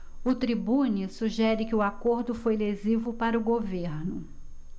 o tribune sugere que o acordo foi lesivo para o governo